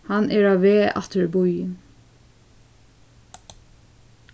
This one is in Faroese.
hann er á veg aftur í býin